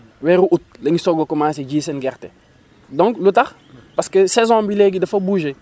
weeru août la ñu soog a commencé ji seen gerte donc lu tax parce que saison bi léegi dafa bougé